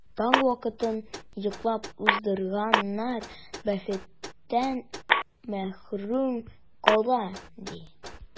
Таң вакытын йоклап уздырганнар бәхеттән мәхрүм кала, ди.